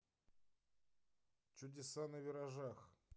чудеса на виражах